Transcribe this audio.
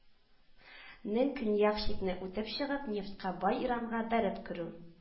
Нең көньяк чикне үтеп чыгып, нефтькә бай иранга бәреп керү